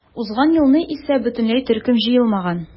Узган елны исә бөтенләй төркем җыелмаган.